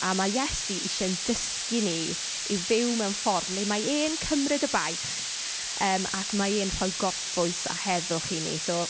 A ma' Iesu isie'n dysgu ni i fyw mewn ffordd le mae e'n cymryd y baich, yym, ac mae e'n rhoi gorffwys a heddwch i ni. So...